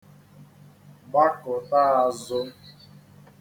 gbakụ̀ta āzụ̄